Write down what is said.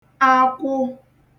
akwụ